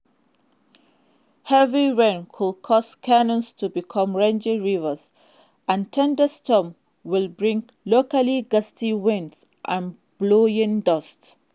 Heavy rain could cause canyons to become raging rivers and thunderstorms will bring locally gusty winds and blowing dust.